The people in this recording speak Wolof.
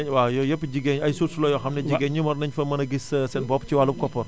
waw yooyu yëpp jigñ ñi ay sources la yoo xam ne jigéen ñi war nañu fa mën gis seen boppci wàllu koppar